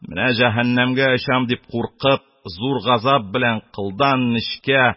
Менә җәһәннәмгә очам, дип куркып, зур газап белән кылдан нечкә,